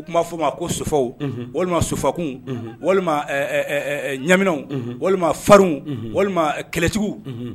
Nu ba fu ma ko sow walima sofakun walima ɲaminaw walima farinw walima kɛlɛtigiw Unhun